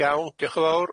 Iawn, diolch'n fowr.